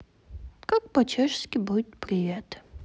как по чешски будет привет